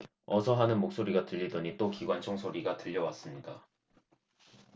어서 하는 목소리가 들리더니 또 기관총 소리가 들려왔습니다